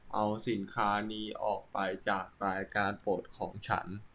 เอาสินค้านี้ออกไปจากรายการโปรดของฉัน